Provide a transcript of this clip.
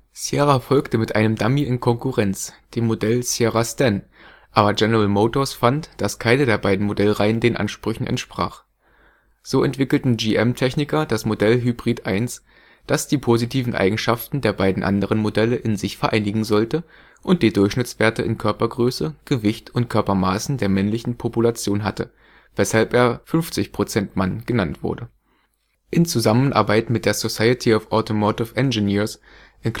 Sierra folgte mit einem Dummy in Konkurrenz, dem Modell Sierra Stan, aber General Motors fand, dass keine der beiden Modellreihen den Ansprüchen entsprach. So entwickelten GM-Techniker das Modell Hybrid I, das die positiven Eigenschaften der beiden anderen Modelle in sich vereinigen sollte und die Durchschnittswerte in Körpergröße, Gewicht und Körpermaßen der männlichen Population hatte, weshalb er „ 50-Prozent-Mann “genannt wurde. In Zusammenarbeit mit der Society of Automotive Engineers (SAE